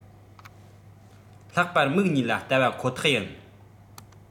ལྷག པར མིག གཉིས ལ བལྟ བ ཁོ ཐག ཡིན